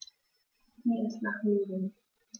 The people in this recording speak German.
Mir ist nach Nudeln.